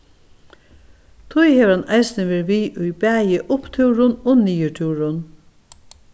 tí hevur hann eisini verið við í bæði upptúrum og niðurtúrum